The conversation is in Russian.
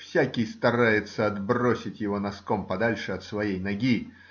Всякий старается отбросить его носком подальше от своей ноги.